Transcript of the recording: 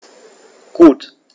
Gut.